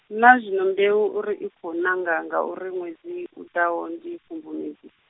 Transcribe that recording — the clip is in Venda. na zwino mbeu u ri i khou nanga ngauri ṅwedzi, uḓaho ndi Khubvumedzi?